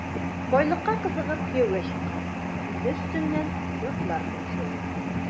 Байлыкка кызыгып кияүгә чыккан, ире өстеннән ятлар белән чуала.